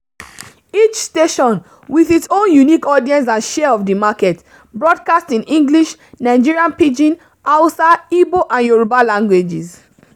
Each station — with its own unique audience and share of the market — broadcasts in English, Nigerian Pidgin, Hausa, Igbo and Yorùbá languages.